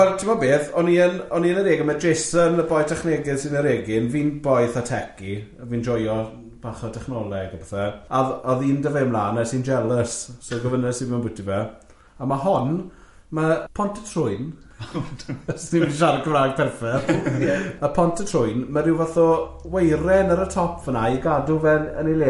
Wel, ti'n gwbod beth, o'n i yn o'n i yn yr egin- ma' Jason, y boi technegydd sy'n yr egin, fi'n boi eitha techy, fi'n joio bach o technoleg a pethe, a odd- odd un da fe ymlaen a es i'n jealous, so gofynes i fe ambwyty fe, a ma' hon, ma' pontytrwyn, os ni'n mynd i siarad Cymrag perffeth, ma' pontytrwyn, ma' ryw fath o weiren ar y top fanna i gadw fe yn ei le.